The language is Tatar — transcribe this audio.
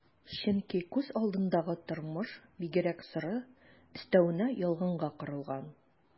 Чөнки күз алдындагы тормыш бигрәк соры, өстәвенә ялганга корылган...